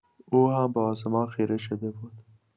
او هم به آسمان خیره شده بود.